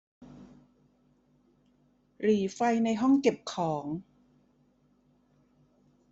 หรี่ไฟในห้องเก็บของ